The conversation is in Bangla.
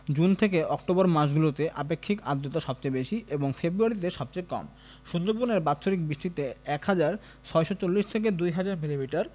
জুন থেকে অক্টোবর মাসগুলিতে আপেক্ষিক আর্দ্রতা সবচেয়ে বেশি এবং ফেব্রুয়ারিতে সবচেয়ে কম সুন্দরবনের বাৎসরিক বৃষ্টিপাত ১হাজার ৬৪০ থেকে ২হাজার মিলিমিটার